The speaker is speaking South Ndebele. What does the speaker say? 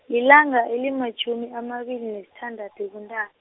lilanga elimatjhumi amabili nesithandathu kuNta-.